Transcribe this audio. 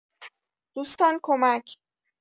دوستان کمک